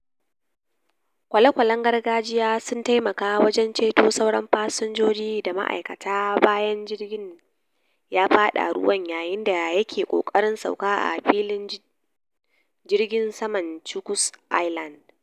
kwale-kwalen gargajiya sun taimaka wajen ceton sauran fasinjoji da ma'aikatan bayan jirgin ya fada ruwa yayin da yake ƙoƙarin sauka a filin jirgin saman Chuuk Island.